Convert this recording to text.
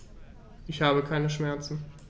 Ich habe keine Schmerzen.